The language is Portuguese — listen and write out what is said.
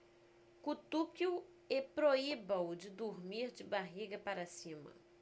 cutuque-o e proíba-o de dormir de barriga para cima